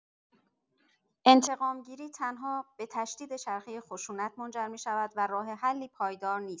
انتقام‌گیری تنها به تشدید چرخه خشونت منجر می‌شود و راه حلی پایدار نیست.